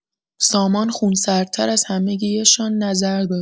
سامان خونسردتر از همگی‌شان نظر داد.